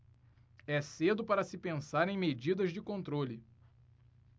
é cedo para se pensar em medidas de controle